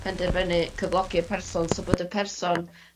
penderfynu cyflogi y person so bod y person